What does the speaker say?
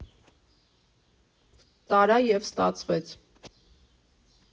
Տարա և ստացվեց.